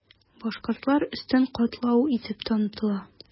Башкортлар өстен катлау итеп танытыла.